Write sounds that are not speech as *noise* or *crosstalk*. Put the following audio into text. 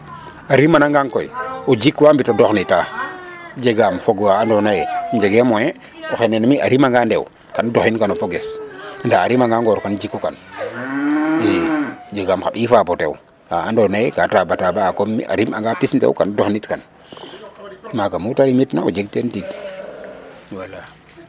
A rimanangan *crosstalk* koy o jikwa mbit o doxnita; jegaam fog wa andoona yee njegee moyen. *noise* Oxene na mi' a rimangaa ndew kam doxinkan o poges ndaa a rimangaa ngoor xam yikukan *noise* .Jegaam xa ƥiy fapes o tew xa andoona yee ka tabataba'aa comme mi' a rimanga pis ndew kan doxnitkan *crosstalk* maaga mu ta rimit na o jegteen tig *crosstalk* wala.